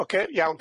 Oce, iawn.